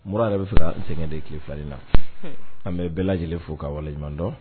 Mura yɛrɛ bɛ fɛ ka n sɛgɛn de tile falini na, hun, an bɛ bɛɛ lajɛlen fo ka waleɲumandɔn